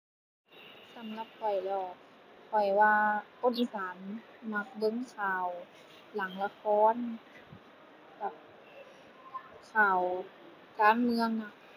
สำหรับข้อยแล้วข้อยว่า คนอีสานมักเบิ่งข่าวหลังละคร กับข่าวการเมืองอะ